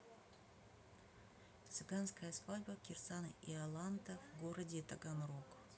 цыганская свадьба кирсан иоланта в городе таганрог